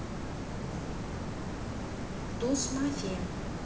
туз мафии